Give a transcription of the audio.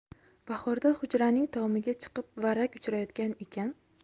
bahorda hujraning tomiga chiqib varrak uchirayotgan ekan